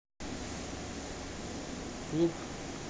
клуб